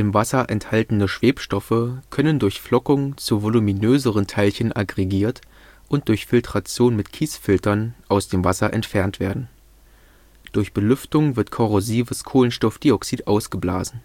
Wasser enthaltene Schwebstoffe können durch Flockung zu voluminöseren Teilchen aggregiert und durch Filtration mit Kiesfiltern aus dem Wasser entfernt werden. Durch Belüftung wird korrosives Kohlenstoffdioxid ausgeblasen